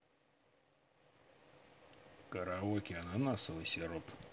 караоке ананасовый сироп